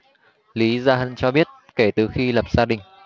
lý gia hân cho biết kể từ khi lập gia đình